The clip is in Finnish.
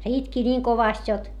se itki niin kovasti jotta